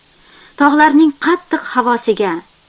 tog'larning qattiq havosiga